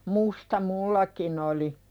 musta minullakin oli